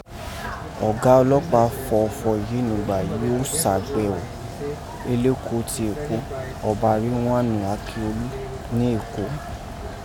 Ọga ọlọpaa fọ̀ ọfọ̀ yii nùgbà yìí o sabẹgho Eleko ti Eko, Ọba Riliwaanu Akiolu ni Eko.